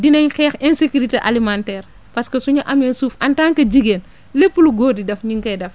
dinañ xeex insécurité alimentaire parce que su ñu amee suuf en tant que jigéen lépp lu góor di def ñu ngi koy def